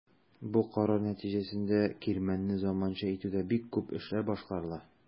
Бу карар нәтиҗәсендә кирмәнне заманча итүдә күп эшләр башкарыла.